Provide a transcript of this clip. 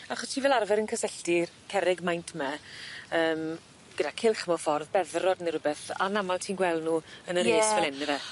Achos ti fel arfer yn cysylltu'r cerrig maint 'my yym gyda cylch mewn ffor beddrod ne' rwbeth anamal ti'n gweld nw yn y res... Ie. ...fel 'yn yfe?